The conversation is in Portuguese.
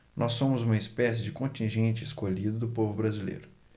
nós somos uma espécie de contingente escolhido do povo brasileiro